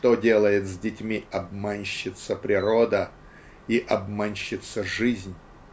что делает с детьми "обманщица-природа" и обманщица-жизнь.